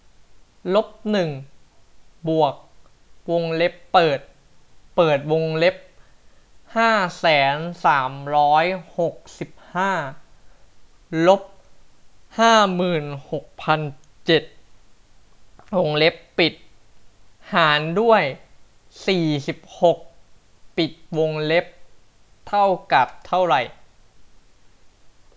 ลบหนึ่งบวกวงเล็บเปิดเปิดวงเล็บห้าแสนสามร้อยหกสิบห้าลบห้าหมื่นหกพันเจ็ดวงเล็บปิดหารด้วยสี่สิบหกปิดวงเล็บเท่ากับเท่าไหร่